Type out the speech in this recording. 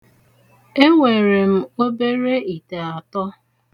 Enwere m obere ite atọ.